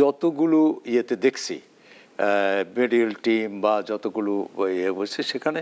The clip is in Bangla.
যতগুলো ইয়েতে দেখেছি মেডিকেল টিম বা যতগুলো সেখানে